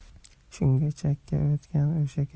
shunda chakka o'tgan o'sha kecha